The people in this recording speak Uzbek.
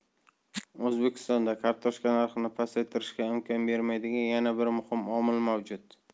o'zbekistonda kartoshka narxini pasaytirishga imkon bermaydigan yana bir muhim omil mavjud